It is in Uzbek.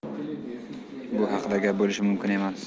bu haqida gap bo'lishi mumkin emas